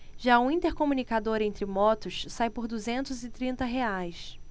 já o intercomunicador entre motos sai por duzentos e trinta reais